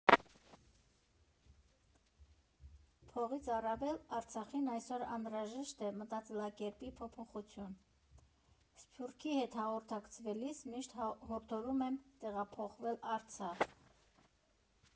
Փողից առավել Արցախին այսօր անհրաժեշտ է մտածելակերպի փոփոխություն, սփյուռքի հետ հաղորդակցվելիս միշտ հորդորում եմ տեղափոխվել Արցախ։